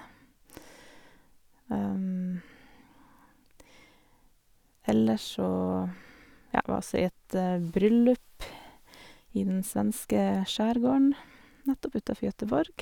Ellers så, ja, var oss i et bryllup i den svenske skjærgården, nettopp, utenfor Göteborg.